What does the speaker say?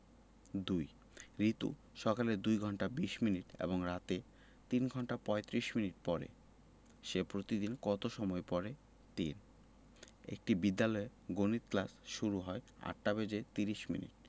২ রিতু সকালে ২ ঘন্টা ২০ মিনিট এবং রাতে ৩ ঘণ্টা ৩৫ মিনিট পড়ে সে প্রতিদিন কত সময় পড়ে ৩একটি বিদ্যালয়ে গণিত ক্লাস শুরু হয় ৮টা বেজে ৩০ মিনিট